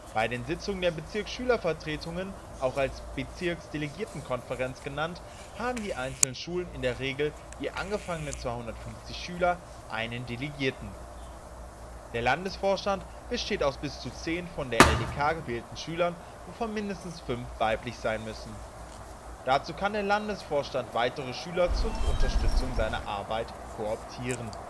Bei den Sitzungen der Bezirksschülervertretungen, auch als Bezirksdelegiertenkonferenz genannt, haben die einzelnen Schulen i.d.R. je angefangene 250 Schüler einen Delegierten. Der Landesvorstand besteht aus bis zu 10 von der LDK gewählten Schülern, wovon mindestens 5 weiblich sein müssen. Dazu kann der Landesvorstand weitere Schüler zur Unterstützung seiner Arbeit kooptieren